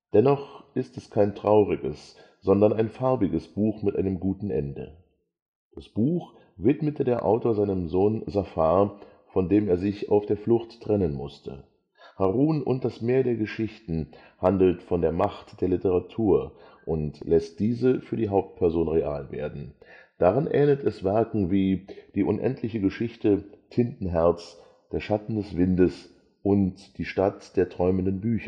Dennoch ist es kein trauriges, sondern ein farbiges Buch mit einem guten Ende. Das Buch widmete der Autor seinem Sohn Zafar, von dem er sich auf der Flucht trennen musste. Harun und das Meer der Geschichte handelt von der Macht der Literatur und lässt diese für die Hauptperson real werden. Darin ähnelt es Werken wie Die unendliche Geschichte, Tintenherz, Der Schatten des Windes und Die Stadt der träumenden